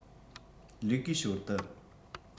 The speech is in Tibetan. ལས ཀའི ཞོར དུ